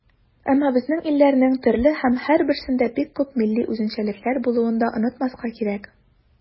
Әмма безнең илләрнең төрле һәм һәрберсендә бик күп милли үзенчәлекләр булуын да онытмаска кирәк.